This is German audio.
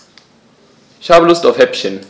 Ich habe Lust auf Häppchen.